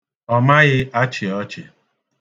Ọ maghị achị ọchị.